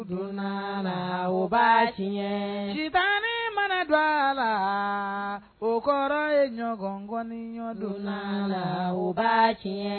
Donnala ba ntalen mana don la o kɔrɔ ye ɲɔgɔn ŋɔni ɲɔgɔndonla la ba